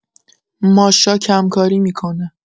ماشا کم‌کاری می‌کنه